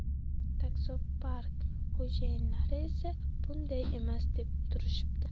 taksopark xo'jayinlari esa bunday emas deb turishibdi